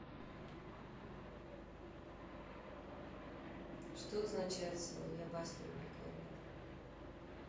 что означает соловья баснями не кормят